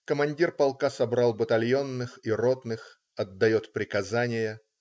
Командир полка собрал батальонных и ротных, отдает приказания.